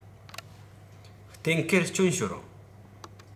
གཏན འཁེལ རྐྱོན ཤོར